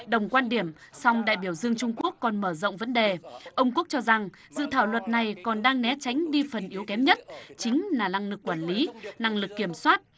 đồng quan điểm song đại biểu dương trung quốc còn mở rộng vấn đề ông quốc cho rằng dự thảo luật này còn đang né tránh đi phần yếu kém nhất chính là năng lực quản lý năng lực kiểm soát